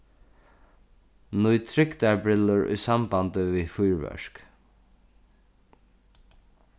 nýt trygdarbrillur í sambandi við fýrverk